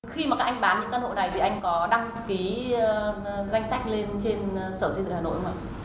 khi mà các anh bán những căn hộ này thì anh có đăng ký ư ơ danh sách lên trên sở xây dựng hà nội không ạ